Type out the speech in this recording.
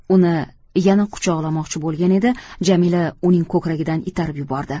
uni yana quchoqlamoqchi bo'lgan edi jamila uning ko'kragidan itarib yubordi